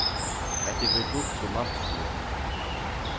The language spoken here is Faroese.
hetta hevur verið dult sum mansmorð